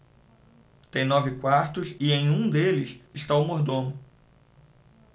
tem nove quartos e em um deles está o mordomo